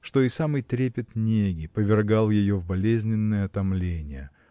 что и самый трепет неги повергал ее в болезненное томление